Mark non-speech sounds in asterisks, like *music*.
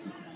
*hesitation* *hesitation*